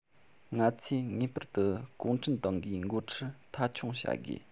ང ཚོས ངེས པར དུ གུང ཁྲན ཏང གིས འགོ མཐའ འཁྱོངས བྱ དགོས